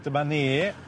Dyma ni.